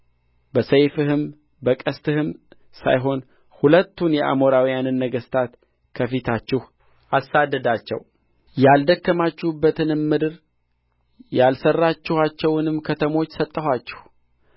በሰይፍህም በቀሥትህም ሳይሆን ሁለቱን የአሞራውያንን ነገሥታት ከፊታችሁ አሳደዳቸው ያልደከማችሁበትንም ምድር ያልሠራችኋቸውንም ከተሞች ሰጠኋችሁ